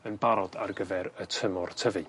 yn barod ar gyfer y tymor tyfu.